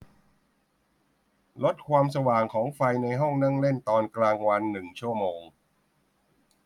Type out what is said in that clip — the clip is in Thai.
ลดความสว่างของไฟในห้องนั่งเล่นตอนกลางวันหนึ่งชั่วโมง